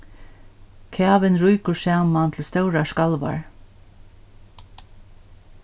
kavin rýkur saman til stórar skalvar